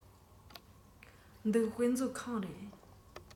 འདི དཔེ མཛོད ཁང རེད